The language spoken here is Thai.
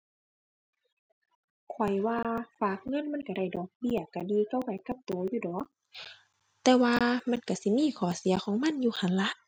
ข้อยว่าฝากเงินมันก็ได้ดอกเบี้ย ก็ดีกว่าไว้กับก็อยู่ดอก แต่ว่ามันก็สิมีข้อเสียของมันอยู่หั้นล่ะ